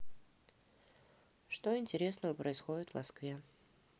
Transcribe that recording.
что интересного происходит в москве